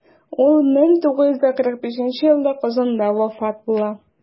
Ул 1945 елда Казанда вафат була.